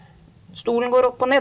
stolen går opp og ned.